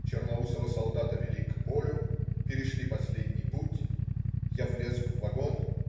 Черноусого солдата вели к полю. Перешли последний путь. Я влез в вагон.